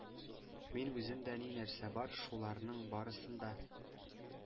Мин үземдә ни-нәрсә бар, шуларның барысын да